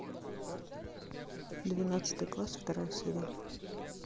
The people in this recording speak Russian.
двенадцатый класс вторая серия